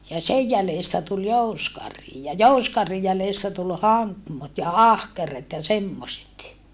ja sen jäljestä tuli jousikarhi ja jousikarhin jäljestä tuli hankmot ja ahkeret ja semmoiset